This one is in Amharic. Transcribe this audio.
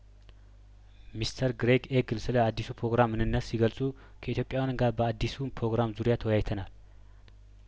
ሚስተር ግሬግ ኤግል ስለአዲሱ ፕሮግራም ምንነት ሲገልጹ ከኢትዮጵያውያን ጋር በአዲሱ ፕሮግራም ዙሪያ ተወያይተናል